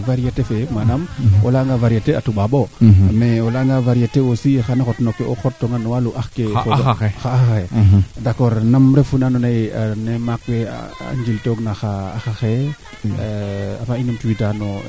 waaga jega ara mayu kaa ando naye kaa de yaqoox kama koɓale i bo a tax'a keene a jeg a teen solo ndeet a araaka aando naye a poor den xana mengoor fo o ndeooq welo le a teɓake ndiing ne